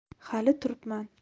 hali turibman